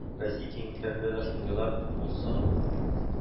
Россия киңлекләрендә дә шундыйлар булсын